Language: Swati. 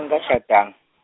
angikashada-.